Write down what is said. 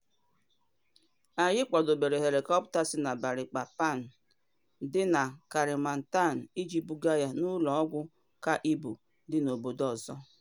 Anyị kwadobere helikọpta si Balikpapan dị na Kalimantan iji buga ya n’ụlọ ọgwụ ka ibu dị n’obodo ọzọ.